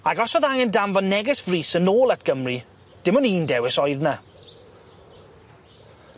Ag os o'dd angen danfon neges frys yn ôl at Gymru dim on' un dewis oedd 'ny.